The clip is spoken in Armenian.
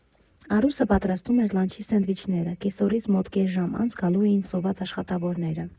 Արուսը պատրաստում էր լանչի սենդվիչները՝ կեսօրից մոտ կես ժամ անց գալու էին սոված աշխատավորները։